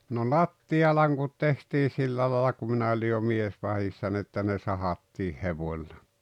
no lattialankut tehtiin sillä lailla kun minä olin jo miesvahdissa niin että ne sahattiin hevoilla